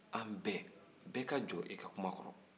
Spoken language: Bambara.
an bɛɛ bɛɛ ka jɔ i ka kuma kɔrɔ